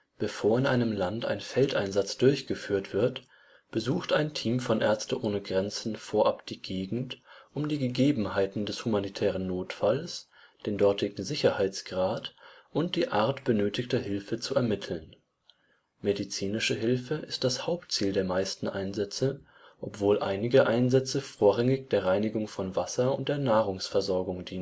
Bevor in einem Land ein Feldeinsatz durchgeführt wird, besucht ein Team von Ärzte ohne Grenzen vorab die Gegend, um die Gegebenheiten des humanitären Notfalls, den dortigen Sicherheitsgrad und die Art benötigter Hilfe zu ermitteln. Medizinische Hilfe ist das Hauptziel der meisten Einsätze, obwohl einige Einsätze vorrangig der Reinigung von Wasser und der Nahrungsversorgung